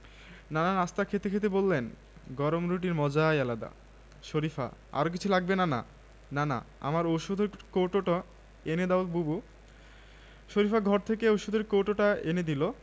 শুধু কলসিন্দুরে সারা দেশে যেখানে ক্রিকেটের জোয়ার সেখানে ব্যতিক্রম কলসিন্দুর এখানকার মানুষের যাপিত জীবনের কেন্দ্রে শুধুই ফুটবল সানজিদা মারিয়া তহুরারা যেন তাদের স্বপ্নের বাতিঘর বঙ্গমাতা